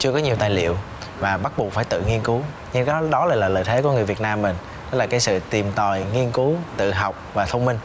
chưa có nhiều tài liệu và bắt buộc phải tự nghiên cứu thì cái đó lại là lợi thế của người việt nam mình là cái sự tìm tòi nghiên cứu tự học và thông minh